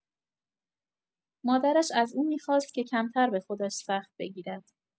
مادرش از او می‌خواست که کمتر به خودش سخت بگیرد.